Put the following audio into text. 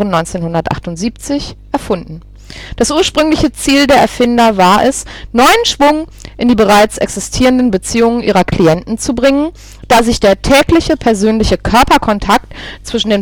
erfunden. Das ursprüngliche Ziel der Erfinder war es, neuen Schwung in die bereits existierenden Beziehungen ihrer Klienten zu bringen, da sich der tägliche persönliche Körperkontakt zwischen